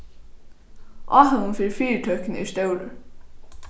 áhugin fyri fyritøkuni er stórur